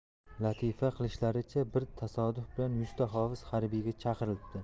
latifa qilishlaricha bir tasodif bilan yuzta hofiz harbiyga chaqirilibdi